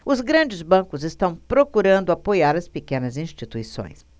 os grandes bancos estão procurando apoiar as pequenas instituições